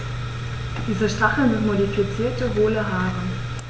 Diese Stacheln sind modifizierte, hohle Haare.